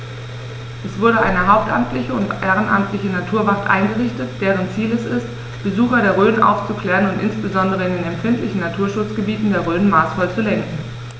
Es wurde eine hauptamtliche und ehrenamtliche Naturwacht eingerichtet, deren Ziel es ist, Besucher der Rhön aufzuklären und insbesondere in den empfindlichen Naturschutzgebieten der Rhön maßvoll zu lenken.